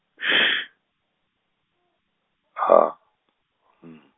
X, A.